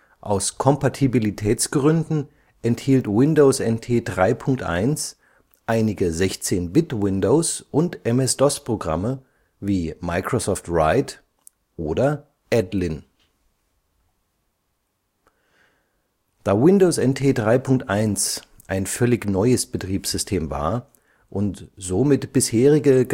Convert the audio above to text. Aus Kompatibilitätsgründen enthielt Windows NT 3.1 einige 16-Bit-Windows - und MS-DOS-Programme, wie Microsoft Write oder Edlin. Da Windows NT 3.1 ein völlig neues Betriebssystem war, und somit bisherige